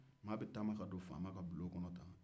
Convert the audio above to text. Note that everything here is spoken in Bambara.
maa bɛ taama ka don faama ka bulon kɔnɔ tan